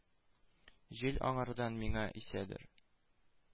Җил аңардан миңа исәдер?